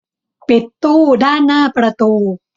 ปิดตู้ด้านหน้าประตู